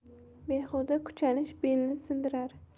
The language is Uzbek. behuda kuchanish belni sindirar